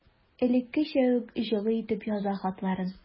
Элеккечә үк җылы итеп яза хатларын.